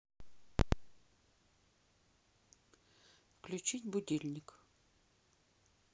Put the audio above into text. включить будильник